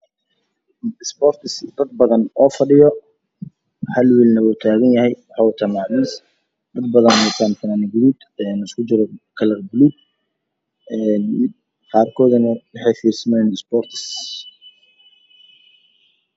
Isboortis dad badan oo fadhiyo hal wiilna uu taagan yahay wuxuu wataa rag badan fanaanad gaduud osku jira kalar baluug mid qaarkoodana waxay fiir sanaayaan isboortis.